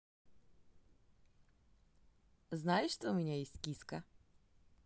знаешь что у меня есть киска